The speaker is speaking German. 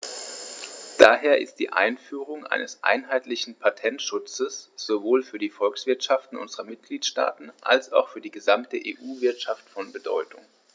Daher ist die Einführung eines einheitlichen Patentschutzes sowohl für die Volkswirtschaften unserer Mitgliedstaaten als auch für die gesamte EU-Wirtschaft von Bedeutung.